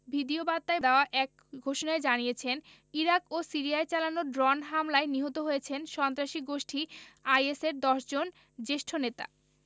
ভিডিওবার্তায় দেওয়া এক ঘোষণায় জানিয়েছেন ইরাক ও সিরিয়ায় চালানো ড্রোন হামলায় নিহত হয়েছেন সন্ত্রাসী গোষ্ঠী আইএসের ১০ জন জ্যেষ্ঠ নেতা